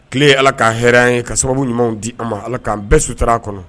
Tile ala k kaa hɛrɛ ye ka sababu ɲumanw di a ma ala k'an bɛɛ suta a kɔnɔ